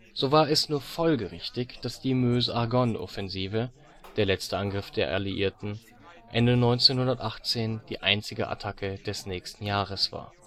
So war es nur folgerichtig, dass die Meuse-Argonne-Offensive, der letzte Angriff der Alliierten, Ende 1918 die einzige Attacke des nächsten Jahres war